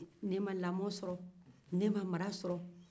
ne ma lamɔni mara sɔrɔ